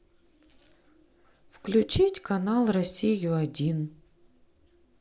включить канал россию один